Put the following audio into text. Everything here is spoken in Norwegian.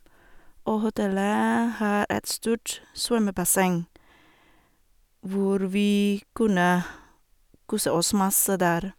Og hotellet har et stort svømmebasseng, hvor vi kunne kose oss masse der.